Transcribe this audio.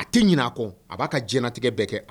A tɛ ɲinɛ a kɔ a b'a ka diɲɛlatigɛ bɛɛ kɛ.